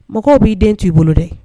Mɔgɔw b'i den t' ii bolo dɛ